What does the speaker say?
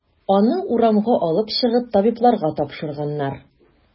Аны урамга алып чыгып, табибларга тапшырганнар.